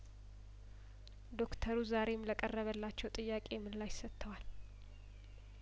ዶክተሩ ዛሬም ለቀረበላቸው ጥያቄምላሽ ሰጥተዋል